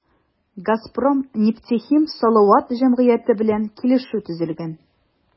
“газпром нефтехим салават” җәмгыяте белән килешү төзелгән.